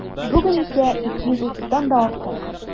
Бүген исә 230-дан да артык.